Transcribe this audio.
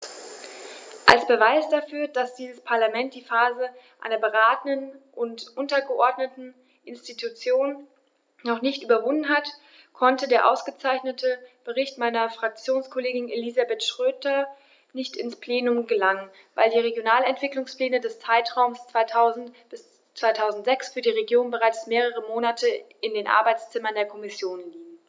Als Beweis dafür, dass dieses Parlament die Phase einer beratenden und untergeordneten Institution noch nicht überwunden hat, konnte der ausgezeichnete Bericht meiner Fraktionskollegin Elisabeth Schroedter nicht ins Plenum gelangen, weil die Regionalentwicklungspläne des Zeitraums 2000-2006 für die Regionen bereits mehrere Monate in den Arbeitszimmern der Kommission liegen.